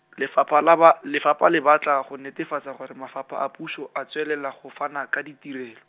Lefapha la ba, lefapha le batla go netefatsa gore mafapha a puso a tswelela go fana ka ditirelo.